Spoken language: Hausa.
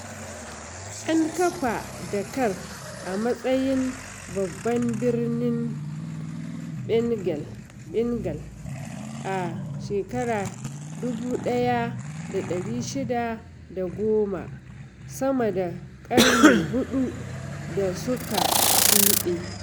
An kafa Dhaka a matsayin babban birnin Bengal a 1610, sama da ƙarni huɗu da suka shuɗe.